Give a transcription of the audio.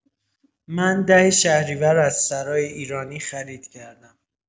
من ۱۰ شهریور از سرای ایرانی خرید کردم.